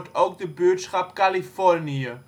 ook de buurtschap Californië